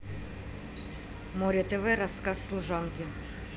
море тв рассказ служанки